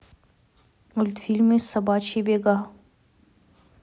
мультфильмы собачьи бега